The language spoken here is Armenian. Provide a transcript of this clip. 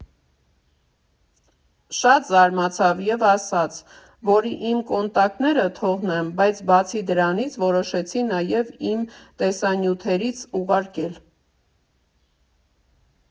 Շատ զարմացավ և ասաց, որ իմ կոնտակները թողնեմ, բայց բացի դրանից, որոշեցի նաև իմ տեսանյութերից ուղարկել։